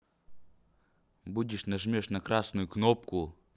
будешь нажмешь на красную кнопку